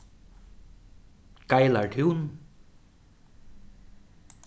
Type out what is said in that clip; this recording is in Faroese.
geilartún